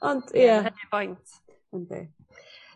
Ond ia. Ia ma' hynny'n boint. Yndi.